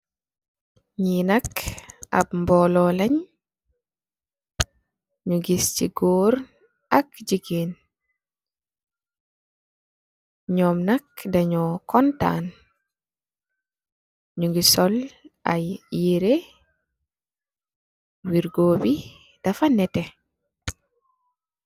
Nyii nk amb mbollo lange nyou guisse amb gorr ak jegueen nyom nk danyo kontan nougui sol aye yerre you nette.